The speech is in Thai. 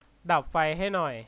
ดับไฟให้หน่อย